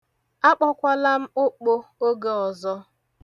Akpọkwala m okpo oge ọzọ!